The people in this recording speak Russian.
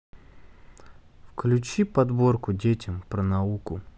включи подборку детям про науку